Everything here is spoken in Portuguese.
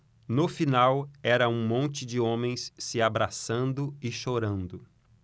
no final era um monte de homens se abraçando e chorando